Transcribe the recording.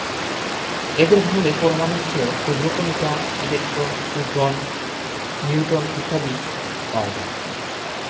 এদের ভাঙলে পরমাণুর চেয়েও ক্ষুদ্র কণিকা ইলেকট্রন প্রোটন নিউটন ইত্যাদি পাওয়া যায়